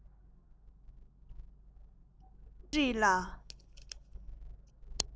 རྩོམ རིག ལ